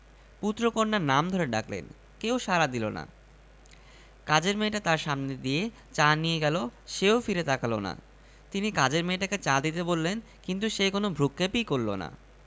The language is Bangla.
মন্ত্রী মহোদয় বলুন মনের ডাক্তারের কাছে কিছু গোপন রাখতে নেই কিছুক্ষণ ভেবে বলতে শুরু করলেন মন্ত্রী শুনুন ভাই এত দিন মনে হতো আমার জীবনটা সফল